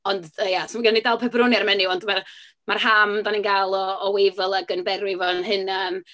Ond... ia, so ma' gynnon ni dal pepperoni ar y menu. Ond ma' ma'r ham dan ni'n gael o o Wavell ag yn berwi fo'n hunain.